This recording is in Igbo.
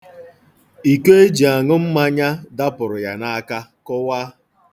Iko e ji aṅụ mmanya dapụrụ ya n'aka kụwaa.